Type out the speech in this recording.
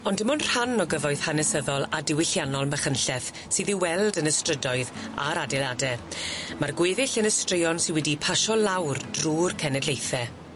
Ond dim ond rhan o gyfoeth hanesyddol a diwylliannol Machynlleth sydd i'w weld yn y strydoedd a'r adeilade ma'r gweddill yn y straeon sy wedi 'u pasio lawr drw'r cenedlaethau.